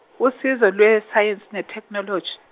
usizo lwesayensi neTheknoloji.